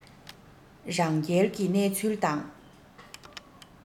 རང རྒྱལ གྱི གནས ཚུལ དང